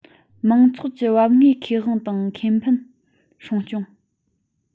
མང ཚོགས ཀྱི བབ འོས ཁེ དབང དང ཁེ ཕན སྲུང སྐྱོང